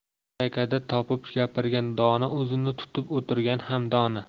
ma'rakada topib gapirgan dono o'zini tutib o'tirgan ham dono